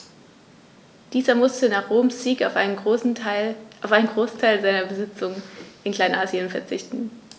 Dieser musste nach Roms Sieg auf einen Großteil seiner Besitzungen in Kleinasien verzichten.